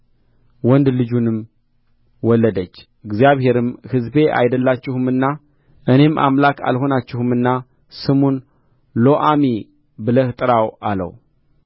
ወንድ ልጅንም ወለደች እግዚአብሔርም ሕዝቤ አይደላችሁምና እኔም አምላክ አልሆናችሁምና ስሙን ሎዓሚ ብለህ ጥራው አለው